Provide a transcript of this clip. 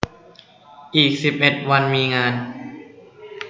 อีกสิบเอ็ดวันมีงาน